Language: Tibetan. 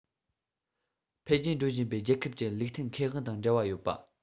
འཕེལ རྒྱས འགྲོ བཞིན པའི རྒྱལ ཁབ ཀྱི ལུགས མཐུན ཁེ དབང དང འབྲེལ བ ཡོད པ